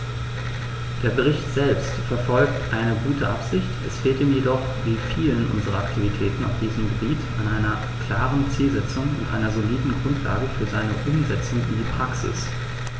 Der Bericht selbst verfolgt eine gute Absicht, es fehlt ihm jedoch wie vielen unserer Aktivitäten auf diesem Gebiet an einer klaren Zielsetzung und einer soliden Grundlage für seine Umsetzung in die Praxis.